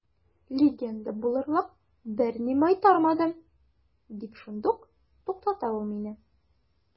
Легенда булырлык берни майтармадым, – дип шундук туктата ул мине.